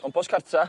Compos cartra?